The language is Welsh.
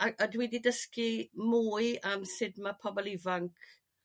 a a dwi 'di dysgu mwy am sud ma' pobol ifanc